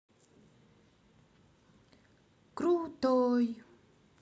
крутой